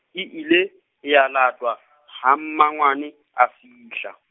e ile, ya latwa , ha mmangwane, a fihla.